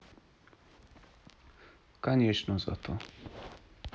конечно зато